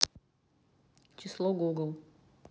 число google